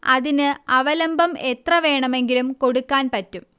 അതിന് അവലംബം എത്ര വേണമെങ്കിലും കൊടുക്കാൻ പറ്റും